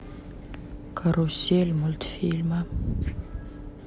карусель мультфильмы